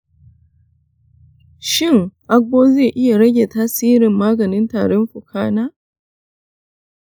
shin agbo zai iya rage tasirin maganin tarin fuka na?